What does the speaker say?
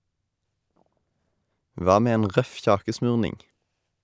Hva med en røff kjakesmurning?